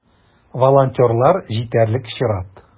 Волонтерлар җитәрлек - чират.